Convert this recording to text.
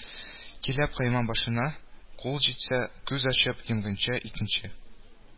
Киләп, койма башына кулы җитсә, күз ачып йомганчы икенче